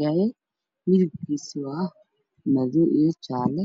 gaari ayaa egtaagan midabkiisu waa gadoodyo jaalle